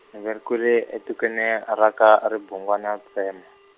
ndzi velekeriwe etikweni a ra ka Ribungwani a Tsema.